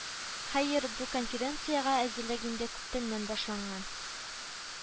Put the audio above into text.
Хәер, бу конференциягә әзерлек инде күптәннән башланган